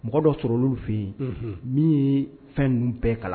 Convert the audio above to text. Mɔgɔ dɔ sɔrɔ olu fɛ yen min fɛn dun bɛɛ kalan